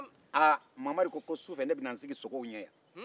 mamari ko ne bɛ na n sigi sogow ɲɛ yan sufɛ